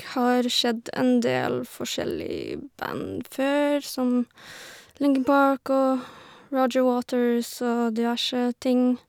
Har sett en del forskjellige band før, som Linkin Park og Roger Waters og diverse ting.